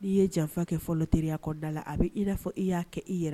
N'i ye janfa kɛ fɔlɔ teriyada la a bɛ i'a fɔ i y'a kɛ i yɛrɛ